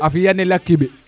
a fiya nel a kiɓ